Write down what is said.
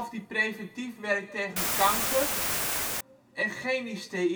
die preventief werkt tegen kanker) en genisteïne